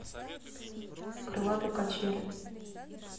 крылатые качели